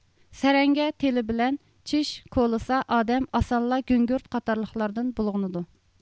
سەرەڭگە تېلى بىلەن چېش كولىسا ئادەم ئاسانلا گۈڭگۈرت قاتارلىقلاردىن بۇلغىنىدۇ